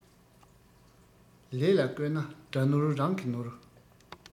ལས ལ བཀོད ན དགྲ ནོར རང གི ནོར